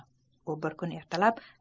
u bir kun ertalab